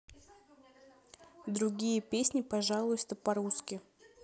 другие песни пожалуйста по русски